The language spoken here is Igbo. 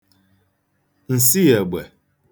ǹsịègbè